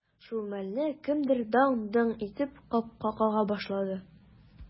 Шул мәлне кемдер даң-доң итеп капка кага башлады.